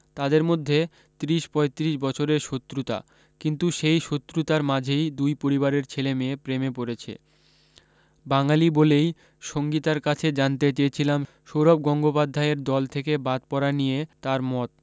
তাদের মধ্যে ত্রিশ পঁয়ত্রিশ বছরের শত্রুতা কিন্তু সেই শত্রুতার মাঝেই দুই পরিবারের ছেলেমেয়ে প্রেমে পড়েছে বাঙালী বলেই সঙ্গীতার কাছে জানতে চেয়েছিলাম সৌরভ গঙ্গোপাধ্যায়ের দল থেকে বাদ পড়া নিয়ে তার মত